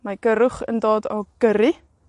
mae gyrrwch yn dod o gyrru,